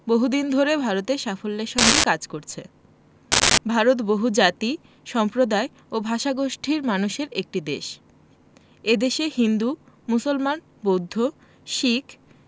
বহু দিন ধরে ভারতে সাফল্যের সঙ্গে কাজ করছে ভারত বহুজাতি সম্প্রদায় ও ভাষাগোষ্ঠীর মানুষের একটি দেশ এ দেশে হিন্দু মুসলমান বৌদ্ধ শিখ